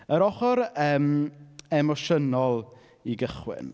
Yr ochr yym emosiynol i gychwyn.